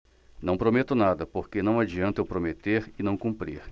não prometo nada porque não adianta eu prometer e não cumprir